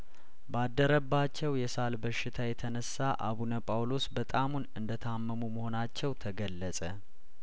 ባደረባቸው የሳል በሽታ የተነሳ አቡነ ጳውሎስ በጣሙን እንደታመሙ መሆናቸው ተገለጸ